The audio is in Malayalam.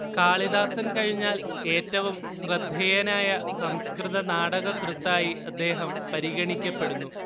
കാളിദാസൻ കഴിഞ്ഞാൽ ഏറ്റവും ശ്രദ്ധേയനായ സംസ്കൃതനാടകകൃത്തായി അദ്ദേഹം പരിഗണിക്കപ്പെടുന്നു